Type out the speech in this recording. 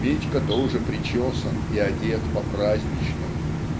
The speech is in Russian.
Митька тоже причесан и одет по-праздничному.